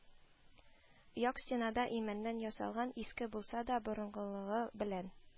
Як стенада имәннән ясалган, иске булса да борынгылыгы белән